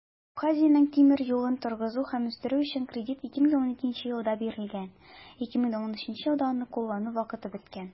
Абхазиянең тимер юлын торгызу һәм үстерү өчен кредит 2012 елда бирелгән, 2013 елда аны куллану вакыты беткән.